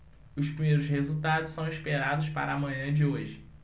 os primeiros resultados são esperados para a manhã de hoje